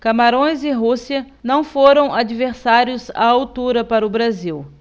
camarões e rússia não foram adversários à altura para o brasil